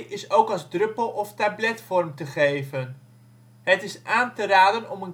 is ook als druppel of tabletvorm te geven. Het is aan te raden om